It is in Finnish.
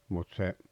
mutta se